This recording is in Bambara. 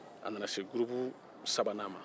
a nana se gurupu sabanan ma